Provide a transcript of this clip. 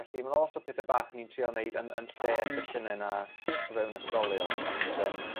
Felly ma' 'n lot o pethe bach ni'n trial neud yn yn lle y sesiyne 'na o fewn ysgolion ond yym